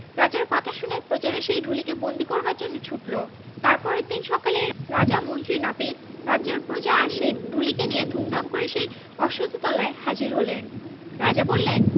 রাজার কথা শুনে প্রজারা সেই ঢুলিকে বন্দী করবার জন্যে ছুটল তার পরদিন সকালে রাজা মন্ত্রী নাপিত রাজ্যের প্রজা আর সেই ঢুলিকে নিয়ে ধুমধাম করে সেই অশ্বত্থতলায় হাজির হলেন রাজা বললেন